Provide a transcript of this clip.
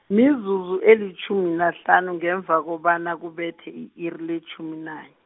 mizuzu elitjhumi nahlanu ngemva kobana kubethe i-iri letjhumi nane.